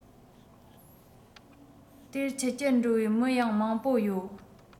དེར ཆུ རྐྱལ འགྲོ བའི མི ཡང མང པོ ཡོད